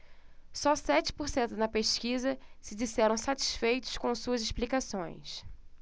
só sete por cento na pesquisa se disseram satisfeitos com suas explicações